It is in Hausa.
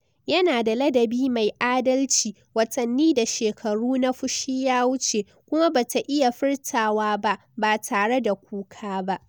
Yana da ladabi mai adalci, watanni da shekaru na fushi ya wuce, kuma ba ta iya fitarwa ba, ba tare da kuka ba.